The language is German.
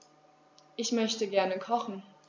Ich möchte gerne kochen.